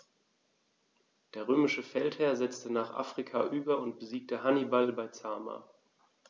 Der römische Feldherr setzte nach Afrika über und besiegte Hannibal bei Zama.